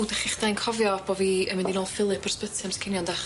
Wdach chi' chdai'n cofio bo' fi yn mynd i nôl Phillip o'r sbyty amser cinio yndach?